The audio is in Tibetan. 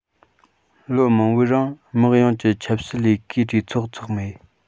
ལོ མང པོའི རིང དམག ཡོངས ཀྱི ཆབ སྲིད ལས ཀའི གྲོས ཚོགས འཚོགས མེད